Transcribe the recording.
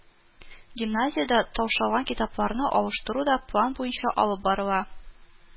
Гимназиядә таушалган китапларны алыштыру да план буенча алып барыла